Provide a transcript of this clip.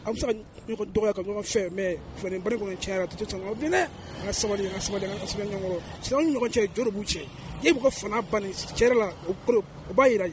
An bɛ dɔgɔ ka ɲɔgɔn an sabali ɲɔgɔn cɛ b'u cɛ e' ka ban cɛ la o bolo o b'a jira